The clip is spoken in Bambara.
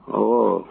Un